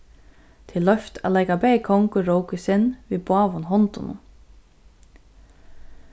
tað er loyvt at leika bæði kong og rók í senn við báðum hondunum